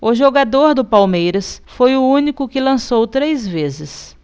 o jogador do palmeiras foi o único que lançou três vezes